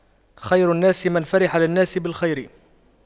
خير الناس من فرح للناس بالخير